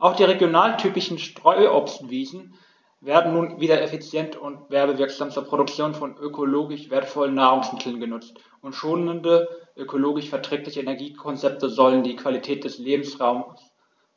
Auch die regionaltypischen Streuobstwiesen werden nun wieder effizient und werbewirksam zur Produktion von ökologisch wertvollen Nahrungsmitteln genutzt, und schonende, ökologisch verträgliche Energiekonzepte sollen die Qualität des Lebensraumes